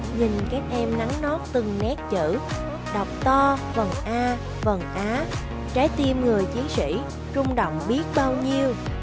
nhìn các em nắn nót từng nét chữ đọc to vần a vần ă trái tim người chiến sĩ rung động biết bao nhiêu